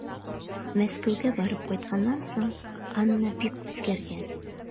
Мәскәүгә барып кайтканнан соң Анна бик үзгәргән.